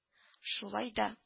— шулай да